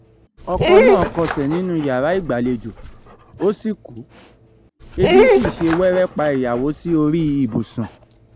Ọkọ náà kọsẹ̀ nínú yàrá ìgbàlejò, ó sì kú, ebí sì ṣe wẹ́rẹ́ pa ìyàwó sí orí ibùsùn.